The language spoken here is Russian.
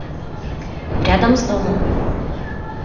рядом с домом